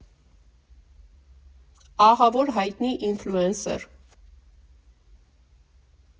Ահավոր հայտնի ինֆլուենսեր։